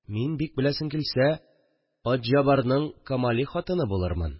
Мин, бик беләсең килсә, Атҗабарның Камали хатыны булырмын